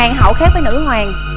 hoàng hậu khác với nữ hoàng